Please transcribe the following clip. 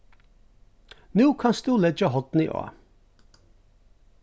nú kanst tú leggja hornið á